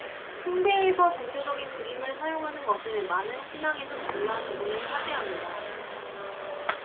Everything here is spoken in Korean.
숭배에서 종교적인 그림을 사용하는 것은 많은 신앙에서 중요한 부분을 차지합니다